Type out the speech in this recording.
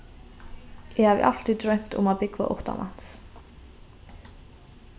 eg havi altíð droymt um at búgva uttanlands